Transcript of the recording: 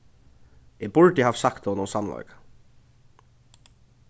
eg burdi havt sagt honum sannleikan